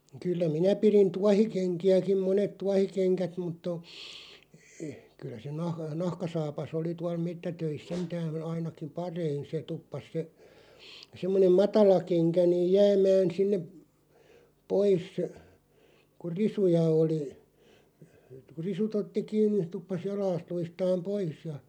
kyllä minä pidin tuohikenkiäkin monet tuohikengät mutta on kyllä se - nahkasaapas oli tuolla metsätöissä sentään ainakin parhain se tuppasi se semmoinen matala kenkä niin jäämään sinne pois kun risuja oli kun risut otti kiinni se tuppasi jalasta luistamaan pois ja